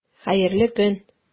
Хәерле көн!